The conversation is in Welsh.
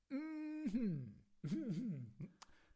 M-hm.